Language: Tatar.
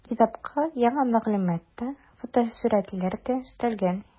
Китапка яңа мәгълүмат та, фотосурәтләр дә өстәлгән.